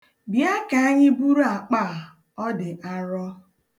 Bịa ka anyị buru akpa a, ọ dị arọ.